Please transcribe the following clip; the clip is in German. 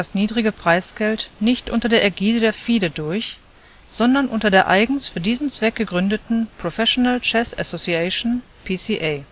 niedrige Preisgeld nicht unter der Ägide der FIDE durch, sondern unter der eigens für diesen Zweck gegründeten Professional Chess Association (PCA